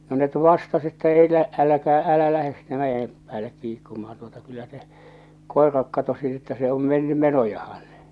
no ne vastasi että älä älkää älä lähde sinne mäen päälle kiikkumaan tuota kyllä se koirakin katosi että se on mennyt menojaan